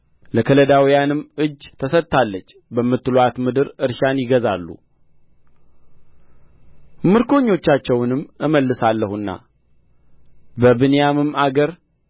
ለከለዳውያንም እጅ ተሰጥታለች በምትሉአት ምድር እርሻን ይገዛሉ ምርኮኞቻቸውንም እመልሳለሁና በብንያም አገር